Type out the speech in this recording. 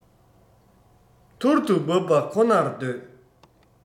ཐུར དུ འབབ པ ཁོ ནར འདོད